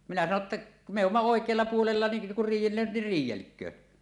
minä sanoin jotta me olemme oikealla puolella niin kun riidellevät niin riidelkööt